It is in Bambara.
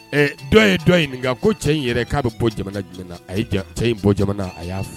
E dɔ ye dɔ ɲininka ko cɛ in yɛrɛ k'a bɛ bɔ jamana jumɛn na a ye ja cɛ in bɔ jamana a y'a f